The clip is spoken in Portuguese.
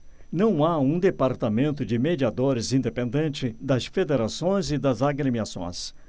não há um departamento de mediadores independente das federações e das agremiações